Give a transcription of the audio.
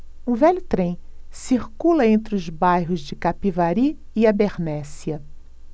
um velho trem circula entre os bairros de capivari e abernéssia